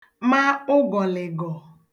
ma ụ̀gọ̀lị̀gọ̀